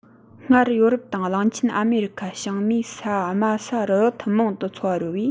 སྔར ཡོ རོབ དང གླིང ཆེན ཨ མེ རི ཁ བྱང མའི ས དམའ ས རུ ཐུན མོང དུ འཚོ བ རོལ བའི